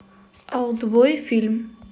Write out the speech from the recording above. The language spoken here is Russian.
олдбой фильм